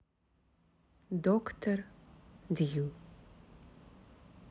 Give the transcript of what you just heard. доктор дью